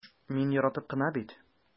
Мин яратып кына бит...